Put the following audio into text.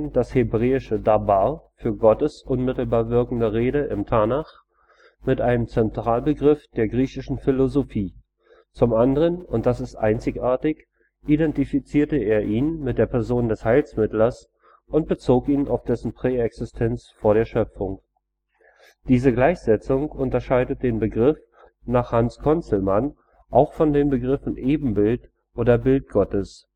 das hebräische dabar für Gottes unmittelbar wirkende Rede im Tanach mit einem Zentralbegriff der griechischen Philosophie, zum anderen – und das ist einzigartig – identifizierte er ihn mit der Person des Heilsmittlers und bezog ihn auf dessen Präexistenz vor der Schöpfung. Diese Gleichsetzung unterscheidet den Begriff nach Hans Conzelmann auch von den Begriffen Ebenbild oder Bild Gottes